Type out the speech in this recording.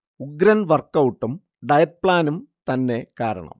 ഉഗ്രൻ വർക്ഔട്ടും ഡയറ്റ് പ്ലാനും തന്നെ കാരണം